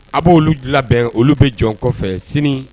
A b' olu dilan bɛn olu bɛ jɔn kɔfɛ sini